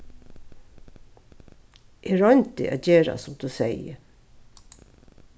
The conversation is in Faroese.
eg royndi at gera sum tú segði